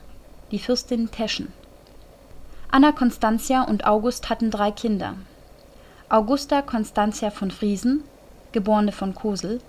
Teschen. Anna Constantia und August hatten drei Kinder: Augusta Constantia von Friesen, geb. von Cosel